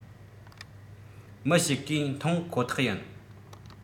མི ཞིག གིས མཐོང ཁོ ཐག ཡིན